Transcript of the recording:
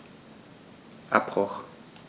Abbruch.